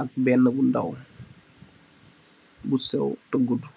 ak benna bu ndaw, bu séw ta gudu.